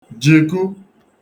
jìku